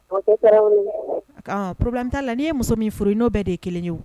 Ɔn problème t'a la, n'i ye muso min furu i n'o bɛ de ye kelen ye o.